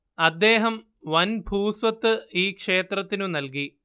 അദ്ദേഹം വൻ ഭൂസ്വത്ത് ഈ ക്ഷേത്രത്തിനു നൽകി